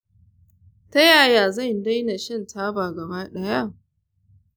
ta yaya zan daina shan taba gaba ɗaya?